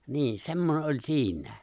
niin semmoinen oli siinä